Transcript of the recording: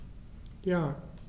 Ja.